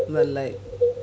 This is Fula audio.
wallay